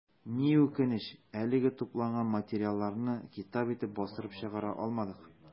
Ни үкенеч, әлегә тупланган материалларны китап итеп бастырып чыгара алмадык.